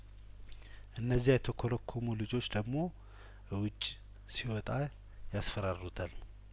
እነዚያ የተኮረኮሙ ልጆች ደግሞ እውጭ ሲወጣ ያስፈራሩታል